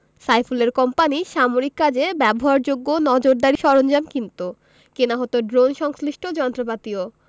সাইফুলের কোম্পানি সামরিক কাজে ব্যবহারযোগ্য নজরদারি সরঞ্জাম কিনত কেনা হতো ড্রোন সংশ্লিষ্ট যন্ত্রপাতিও